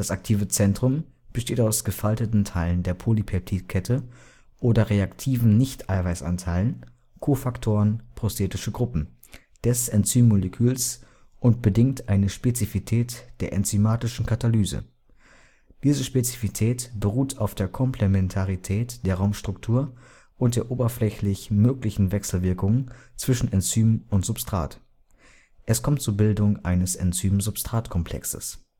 aktive Zentrum besteht aus gefalteten Teilen der Polypeptidkette oder reaktiven Nicht-Eiweiß-Anteilen (Kofaktoren, prosthetische Gruppen) des Enzymmoleküls und bedingt eine Spezifität der enzymatischen Katalyse. Diese Spezifität beruht auf der Komplementarität der Raumstruktur und der oberflächlich möglichen Wechselwirkungen zwischen Enzym und Substrat. Es kommt zur Bildung eines Enzym-Substrat-Komplexes